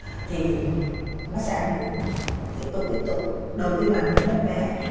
thì nó sẽ ảnh hưởng tiếp tục tiếp tục đầu tiên là ảnh hưởng đến em bé